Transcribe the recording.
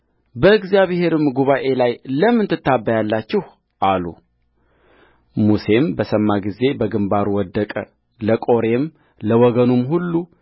በእግዚአብሔርም ጉባኤ ላይ ለምን ትታበያላችሁ አሉሙሴም በሰማ ጊዜ በግምባሩ ወደቀለቆሬም ለወገኑም ሁሉ